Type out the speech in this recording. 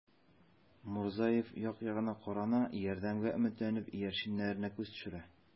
Мурзаев як-ягына карана, ярдәмгә өметләнеп, иярченнәренә күз төшерә.